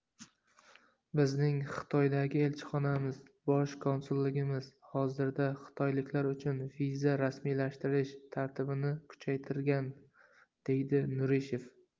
bizning xitoydagi elchixonamiz bosh konsulligimiz hozirda xitoyliklar uchun viza rasmiylashtirish tartibini kuchaytirgan deydi nurishev